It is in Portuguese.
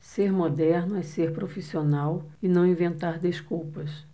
ser moderno é ser profissional e não inventar desculpas